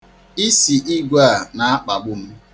Isì igwe a na-akpagbu m.